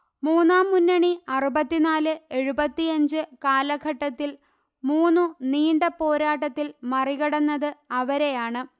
മൂന്നാം മുന്നണി അറുപത്തിനാൽ എഴുപത്തിയഞ്ച് കാലഘട്ടത്തിൽ മൂന്നു നീണ്ട പോരാട്ടത്തിൽ മറികടന്നത് അവരെയാണ്